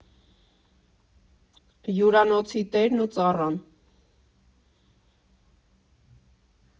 Հյուրանոցի տերն ու ծառան։